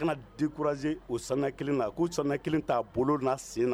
U kana dikkurae o sɛnɛ kelen na ko sɛnɛ kelen t'a bolo na sen na